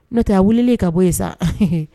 N'o tɛya wuli ka bɔ yen sa